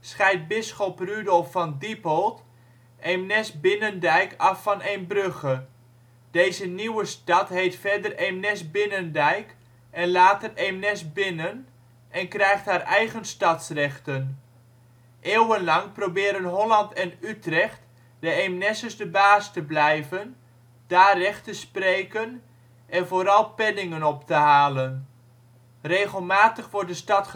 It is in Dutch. scheidt bisschop Rudolf van Diepholt Eemnes-Binnendijk af van Eembrugge. Deze nieuwe stad heet verder Eemnes-Binnendijk (en later Eemnes-Binnen) en krijgt haar eigen stadsrechten. Eeuwenlang proberen Holland en Utrecht de Eemnessers de baas te blijven, daar recht te spreken en vooral penningen op te halen. Regelmatig wordt de stad